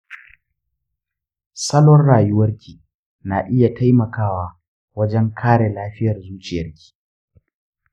salon rayuwarki na iya taimakawa wajen kare lafiyar zuciyarki.